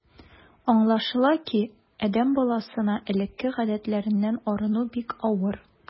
Аңлашыла ки, адәм баласына элекке гадәтләреннән арыну бик авыр.